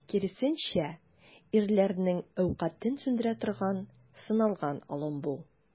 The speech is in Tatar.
Киресенчә, ирләрнең әүкатен сүндерә торган, сыналган алым бу.